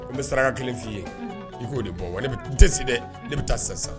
N be saraka 1 f'i ye unhun i k'o de bɔ walima n te si dɛ ne be taa sisan-sisan